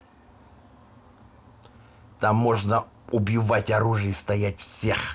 там можно убивать оружие и стоять всех